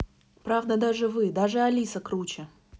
правда даже вы даже alisa круче